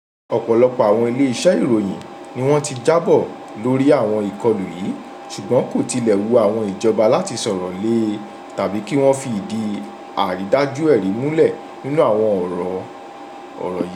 Ọ̀pọ̀lọpọ̀ àwọn iléeṣẹ́ ìròyìn ni wọ́n ti jábọ̀ lórí àwọn ìkọlù yìí ṣùgbọ́n kò tilẹ̀ wu àwọn ìjọba láti sọ̀rọ̀ lé e tàbí kí wọ́n fi ìdí àrídájú ẹ̀rí múlẹ̀ nínú àwọn ọ̀rọ̀ yìí.